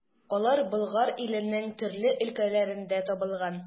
Алар Болгар иленең төрле өлкәләрендә табылган.